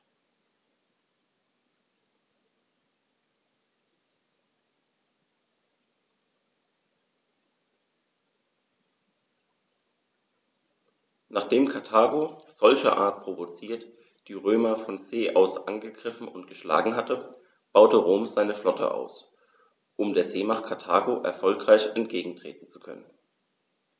Nachdem Karthago, solcherart provoziert, die Römer von See aus angegriffen und geschlagen hatte, baute Rom seine Flotte aus, um der Seemacht Karthago erfolgreich entgegentreten zu können.